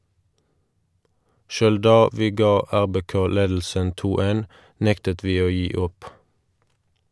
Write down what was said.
- Sjøl da vi ga RBK ledelsen 2-1, nektet vi å gi opp.